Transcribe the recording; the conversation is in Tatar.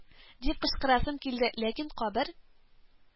Дип кычкырасым килде, ләкин кабер